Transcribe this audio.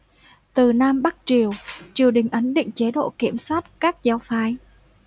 từ nam bắc triều triều đình ấn định chế độ kiểm soát các giáo phái